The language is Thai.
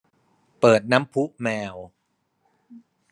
เปิดน้ำพุแมว